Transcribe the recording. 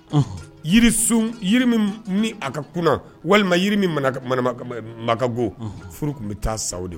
Yiri sun jiri min a ka kunna walima jiri makabo furu tun bɛ taa sa de